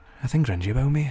Nothing grungy about me.